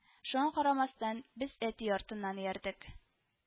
Шуңа карамастан, без әти артыннан иярдек